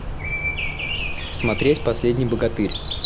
смотреть последний богатырь